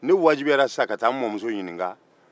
ne wajibiyara sisan ka taa n mamuso ɲinika